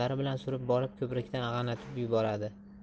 otlari bilan surib borib ko'prikdan ag'anatib yuboradi